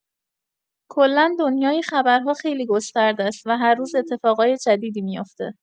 کلا دنیای خبرها خیلی گسترده‌ست و هر روز اتفاقای جدیدی میفته.